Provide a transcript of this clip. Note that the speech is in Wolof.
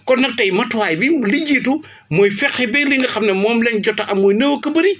kon nag tey matuwaay bi li jiitu mooy fexe ba li nga xam ne moom lañ jot a am muy néew ak a bëri